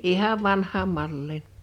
ihan vanhaan malliin